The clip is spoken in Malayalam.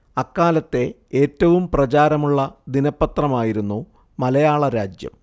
അക്കാലത്തെ ഏറ്റവും പ്രചാരമുള്ള ദിനപത്രമായിരുന്നു മലയാള രാജ്യം